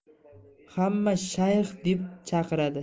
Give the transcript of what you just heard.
hamma shayx deb chaqiradi